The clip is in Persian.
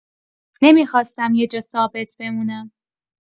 نمی‌خواستم یه جا ثابت بمونم.